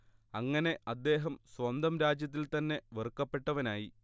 അങ്ങനെ അദ്ദേഹം സ്വന്തം രാജ്യത്തിൽ തന്നെ വെറുക്കപ്പെട്ടവനായി